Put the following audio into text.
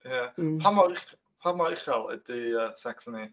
Ia, pa mor uch- pa mor uchel ydy yy Saxony?